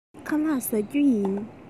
ངས ཁ ལག བཟས མེད